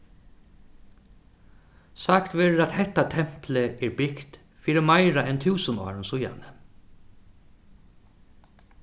sagt verður at hetta templið er bygt fyri meira enn túsund árum síðani